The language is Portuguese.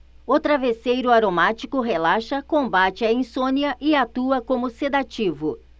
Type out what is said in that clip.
o travesseiro aromático relaxa combate a insônia e atua como sedativo